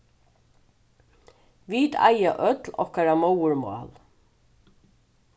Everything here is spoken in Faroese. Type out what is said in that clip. vit eiga øll okkara móðurmál